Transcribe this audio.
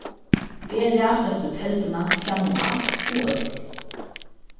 eg raðfesti telduna fram um alt og øll